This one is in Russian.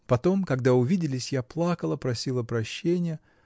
Потом, когда увиделись, я плакала, просила прощения.